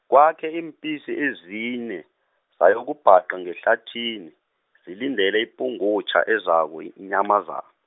kwakhe iimpisi ezine, zayokubhaqa ngehlathini, zilindele ipungutjha ezako inyamaza-.